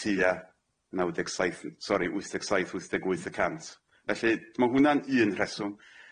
tua naw deg saith sori wyth deg saith wyth deg wyth y cant felly ma' hwnna'n un rheswm.